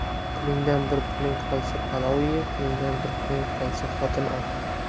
pulingdan bir puling qolsa palov ye kuningdan bir kuning qolsa xotin ol